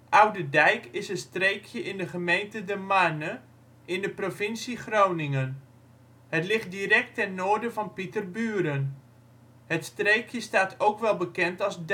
Oudedijk is een streekje in de gemeente De Marne in de provincie Groningen. Het ligt direct ten noorden van Pieterburen. Het streekje staat ook wel bekend als